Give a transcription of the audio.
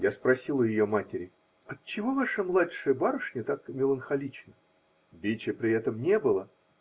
Я спросил у ее матери: -- Отчего ваша младшая барышня так меланхолична? Биче при этом не было.